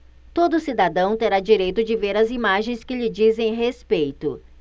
todo cidadão terá direito de ver as imagens que lhe dizem respeito